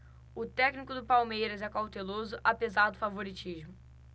o técnico do palmeiras é cauteloso apesar do favoritismo